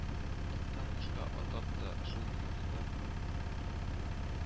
Киткән кошка атап та шул минутында